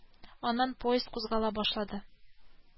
Аннан поезд кузгала башлады